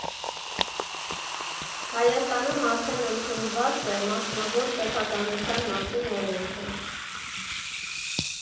Հայաստանում արդեն ընդունված է մասնավոր սեփականության մասին օրենքը։